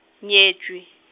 nyetšwe.